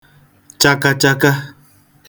chakachaka